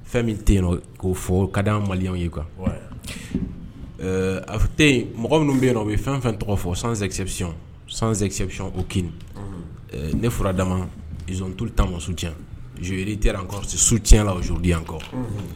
Fɛn min yen ko fɔ ka di mali ye kuwa a yen mɔgɔ minnu bɛ yen o bɛ fɛn fɛn tɔgɔ fɔ sansɛ sansɛ ok ne furadamatuta ma sucori tɛ kɔ su ti laodiyan kɔ